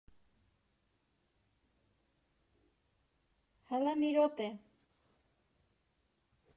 Հլը մի րոպե։